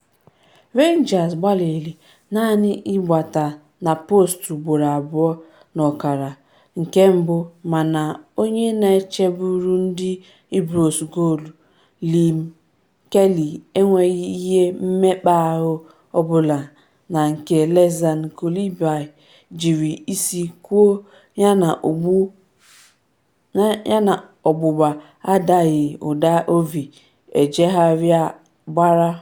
Rangers gbalịrị naanị ịgbata na postu ugboro abụọ n’ọkara nke mbu mana onye na-echeburu ndị Ibrox goolu Liam Kelly enweghị ihe mmekpa ahụ ọ bụla na nke Lassana Coulibaly jiri isi kụọ yana ọgbụgba adaghị ụda Ovie Ejaria gbara.